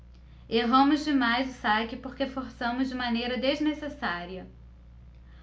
erramos demais o saque porque forçamos de maneira desnecessária